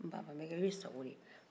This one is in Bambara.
n baba n bɛ k'i sago de ye